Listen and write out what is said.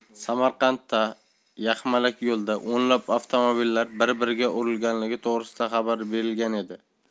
samarqandda yaxmalak yo'lda o'nlab avtomobillar bir biriga urilganligi to'g'risida xabar berilgan edi